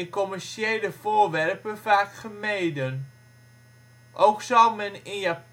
commerciële voorwerpen vaak gemeden. Ook zal men in